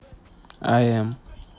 lm